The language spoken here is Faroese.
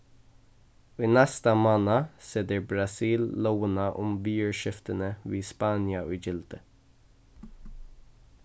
í næsta mánað setir brasil lógina um viðurskiftini við spania í gildi